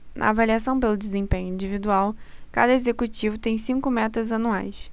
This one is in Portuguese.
na avaliação pelo desempenho individual cada executivo tem cinco metas anuais